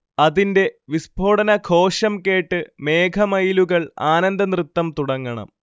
അതിന്റെ വിസ്ഫോടനഘോഷം കേട്ട് മേഘമയിലുകൾ ആനന്ദനൃത്തം തുടങ്ങണം